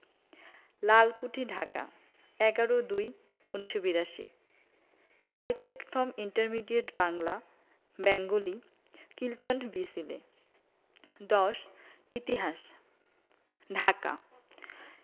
Lalkuthi Dhaka ১১ ০২ ১৯৮২ collected from intermediate Bangla Bengali Clinton B সিলি ১০ ইতিহাস ঢাকা